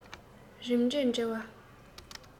རིམ གྲས འབྲེལ བ